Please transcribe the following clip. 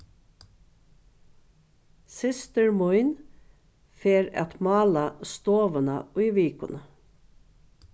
systir mín fer at mála stovuna í vikuni